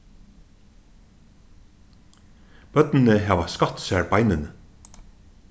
børnini hava skatt sær beinini